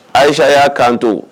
Aicha y'a kanto